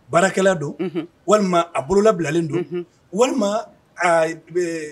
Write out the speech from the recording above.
Baarakɛla don walima a bololabilalen don walima